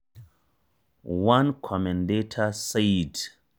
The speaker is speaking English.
One commentator said: